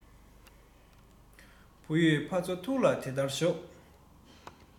བུ ཡོད ཕ ཚོ ཐུགས ལ དེ ལྟར ཞོག